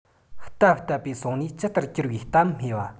རྟབ རྟབ པོས སོང ནས ཇི ལྟར གྱུར པའི གཏམ སྨྲས པ